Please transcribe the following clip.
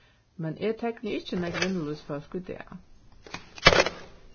men eg tekni ikki nógv vinnulívsfólk í dag